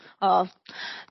O'dd.